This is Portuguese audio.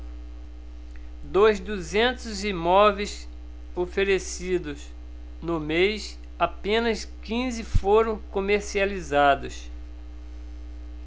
dos duzentos imóveis novos oferecidos no mês apenas quinze foram comercializados